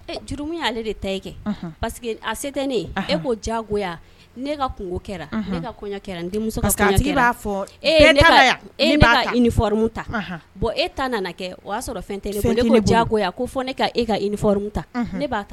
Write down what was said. Juru a se tɛ ne e ko jago ne ka kɛra e ka kɔɲɔ kɛra denmuso b'a fɔ e e'a ta bɔn e ta nana kɛ o y'a sɔrɔ fɛn tɛgo ko ne e ka ta ne b'a ta